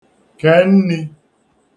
kè nnī